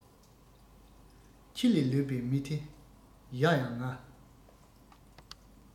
ཁྱི ལས ལོད པའི མི དེ ཡ ཡང ང